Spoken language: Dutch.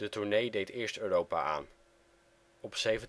tournee deed eerst Europa aan. Op 17, 18 en 19